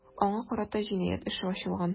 Аңа карата җинаять эше ачылган.